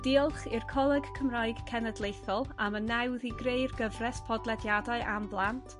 Diolch i'r Coleg Cymraeg Cenedlaethol am y nawdd i greu'r gyfres podlediadau am blant.